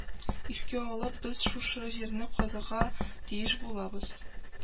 Искә алып, без шушы җирне казырга тиеш булабыз